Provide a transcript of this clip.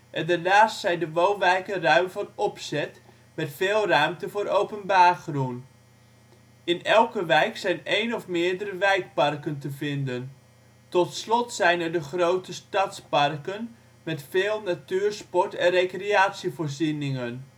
en daarnaast zijn de woonwijken ruim van opzet, met veel ruimte voor openbaar groen. In elke wijk zijn één of meerdere wijkparken te vinden. Tot slot zijn er de grote stadsparken, met veel natuur, sport - en recreatievoorzieningen